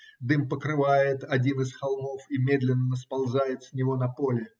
дым покрывает один из холмов и медленно сползает с него на поле.